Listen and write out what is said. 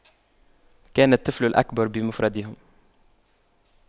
كان الطفل الأكبر بمفرده